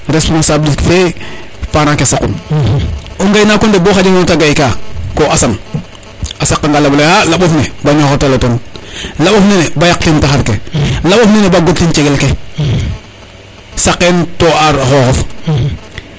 responsable fe parent ke saqun o ŋanako deɗ bo xaƴa nona te gay ka ko asan a saqa nga laɓo leyne a laɓof ne bo ñoxortelo ten laɓof nene bo yaq ten taxar ke laɓof nene o god ten taxar ke saqen to ara xoxof